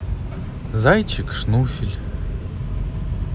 зайчик шнуфель